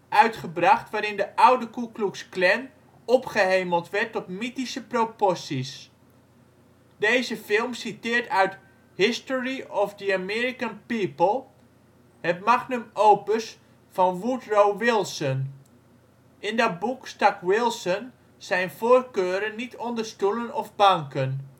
uitgebracht waarin de oude Ku Klux Klan opgehemeld werd tot mythische proporties. Deze film citeert uit History of the American People, het magnum opus van Woodrow Wilson. In dat boek stak Wilson zijn voorkeuren niet onder stoelen of banken